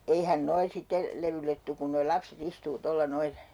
eihän nuo sitten levylle tule kun nuo lapset istuu tuolla noin